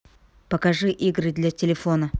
покажи игры для телефона